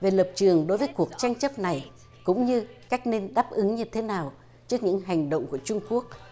về lập trường đối với cuộc tranh chấp này cũng như cách nên đáp ứng như thế nào trước những hành động của trung quốc